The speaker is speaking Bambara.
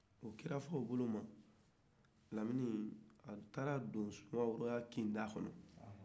o ci lase senfɛ lamini a taara don sumawora ka kin kɔnɔ